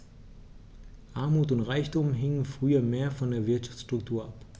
Armut und Reichtum hingen früher mehr von der Wirtschaftsstruktur ab.